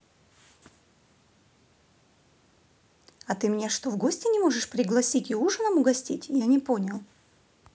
а ты меня что в гости не можешь пригласить и ужином угостить я не понял